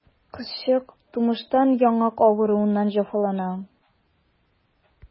Кызчык тумыштан яңак авыруыннан җәфалана.